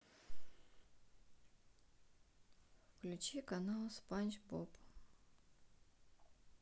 включи канал спанч боб